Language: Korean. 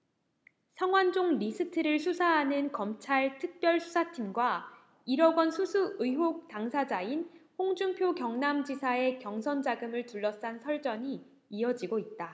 성완종 리스트를 수사하는 검찰 특별수사팀과 일 억원 수수 의혹 당사자인 홍준표 경남지사의 경선 자금을 둘러싼 설전이 이어지고 있다